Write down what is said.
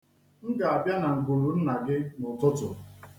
M ga-abịa na ngwuru nna gị n'ụtụtụ.